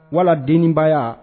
Wala denin ba yan